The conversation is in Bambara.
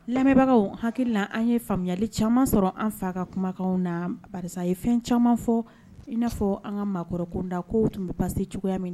Lamɛnbagaw hakili la an ye faamuyayali caman sɔrɔ an fa ka kumakan na karisa ye fɛn caman fɔ in n'a fɔ an ka maakɔrɔkunda k'o tun bɛ pasi cogoya minɛ